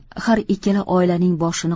har ikkala oilaning boshini